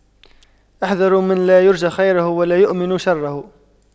احذروا من لا يرجى خيره ولا يؤمن شره